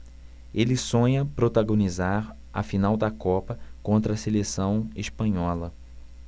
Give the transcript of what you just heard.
ele sonha protagonizar a final da copa contra a seleção espanhola